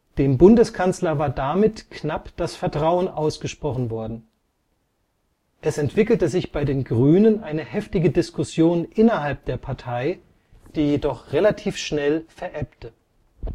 Dem Bundeskanzler war damit knapp das Vertrauen ausgesprochen worden. Es entwickelte sich bei den Grünen eine heftige Diskussion innerhalb der Partei, die jedoch relativ schnell verebbte. Im